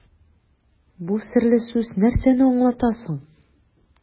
Бу серле сүз нәрсәне аңлата соң?